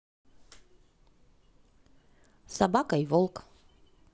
собака и волк